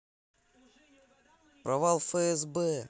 провал фсб